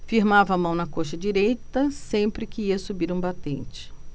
firmava a mão na coxa direita sempre que ia subir um batente